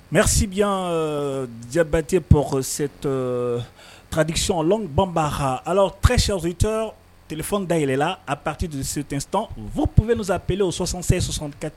Mɛsibi jabate psetɔ kadisiɔn banba h ala kasitɔ tfɛn dayɛlɛla a pati duurusitt fupsa aple o sɔsansen sɔsankate